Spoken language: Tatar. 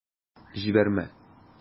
Җибәрмә...